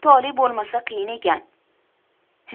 tole bo'lmasa qiyin ekan